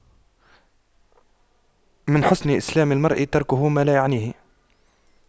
من حسن إسلام المرء تَرْكُهُ ما لا يعنيه